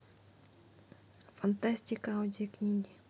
фантастика аудиокниги